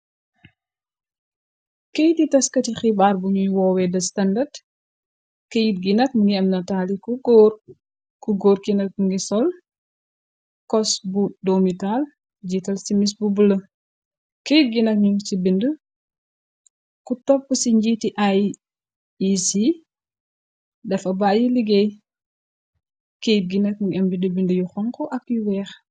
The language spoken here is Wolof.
Keyutu taskati xibaar buñuy woowee da standard keyiti gi nak ngi am nataali ku góor ki nak ngi sol kos bu domitaal jiital ci miss bu bulë keyit gi nakñu ci bind ku topp ci njiiti IEC dafa bayyi liggéey keyit ginak ngi am bindibind yu xonko ak yu weex.